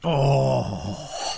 O!